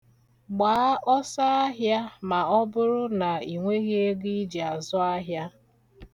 Gbaa ọsọahịa ma ọ buru na ị nweghị ego ị ji azụ ahịa.